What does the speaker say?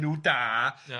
enw da ia.